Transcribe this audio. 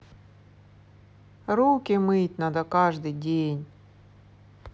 руки мыть надо каждый день